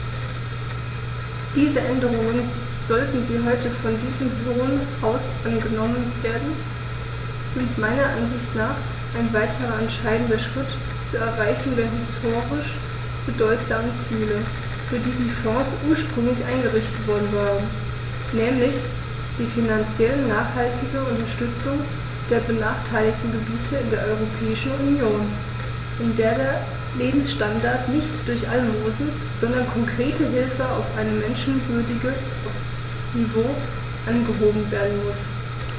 Diese Änderungen, sollten sie heute von diesem Hohen Haus angenommen werden, sind meiner Ansicht nach ein weiterer entscheidender Schritt zur Erreichung der historisch bedeutsamen Ziele, für die die Fonds ursprünglich eingerichtet worden waren, nämlich die finanziell nachhaltige Unterstützung der benachteiligten Gebiete in der Europäischen Union, in der der Lebensstandard nicht durch Almosen, sondern konkrete Hilfe auf ein menschenwürdiges Niveau angehoben werden muss.